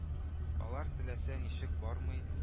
Алар теләсә ничек бармый